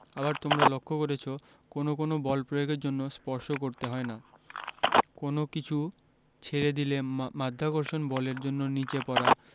আবার তোমরা লক্ষ করেছ কোনো কোনো বল প্রয়োগের জন্য স্পর্শ করতে হয় না কোনো কিছু ছেড়ে দিলে মা মাধ্যাকর্ষণ বলের জন্য নিচে পড়া